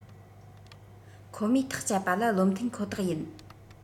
ཁོ མོས ཐག བཅད པ ལ བློ མཐུན ཁོ ཐག ཡིན